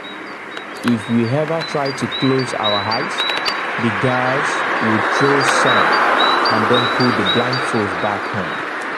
If we ever tried to close our eyes, the guards would throw sand. And then put the blindfolds back on.